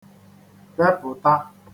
-bepụ̀ta